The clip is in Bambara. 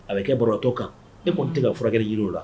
A bɛ kɛ bɔratɔ kan e kɔni tɛ ka furakɛ jiri o la